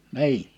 niin